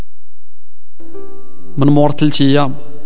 من مرت الايام